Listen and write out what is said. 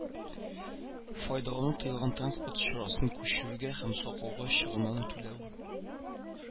Файдалану тыелган транспорт чарасын күчерүгә һәм саклауга чыгымнарны түләү